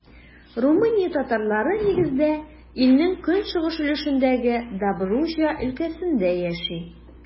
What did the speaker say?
Румыния татарлары, нигездә, илнең көнчыгыш өлешендәге Добруҗа өлкәсендә яши.